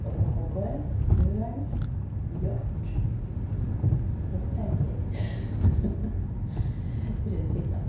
Og det var hoggorm, ørn, hjort og sauer rundt hytta.